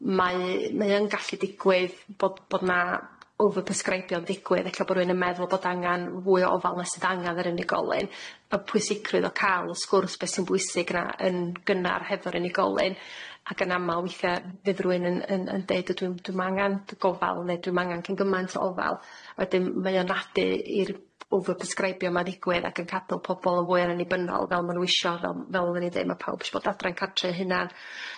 mae- mae yn gallu digwydd bod bod na' over prescribio 'n ddigwydd ella bo' rywun yn meddwl bod angan fwy o ofal na sydd angan ar unigolyn y pwysigrwydd o ca'l y sgwrs be' sy'n bwysig 'na yn gynnar hefo'r unigolyn ac yn amal withe fydd rywun yn- yn- yn deud y- dwi'm dwi'm angan gofal ne' dwi'm angan cyn gymant o ofal a wedyn mae o'n nadi i'r over prescribio 'ma ddigwydd ac yn gadel pobol yn fwy yn anibynnol fel ma' n'w isio fel fel oddan ni'n deud ma' pawb isio bod adre'n cartre'u hunan.